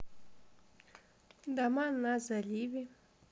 дома на заливе